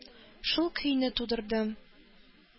Шул көйне тудырдым.